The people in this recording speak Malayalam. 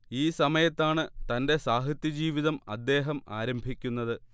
ഈ സമയത്താണ് തന്റെ സാഹിത്യ ജീവിതം അദ്ദേഹം ആരംഭിക്കുന്നത്